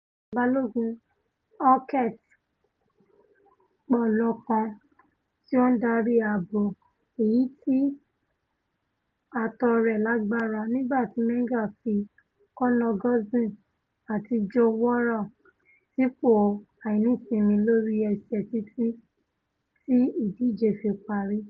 Balògun Halkett pọ̀lọ́kan, tí ó ndarí ààbò èyití ààtò rẹ̀ lágbára, nígbàti Menga fi Connor Golson àti Joe Worall sípò àìnísinmi lórí ẹsẹ̀ títí tí ìdíje fi parí.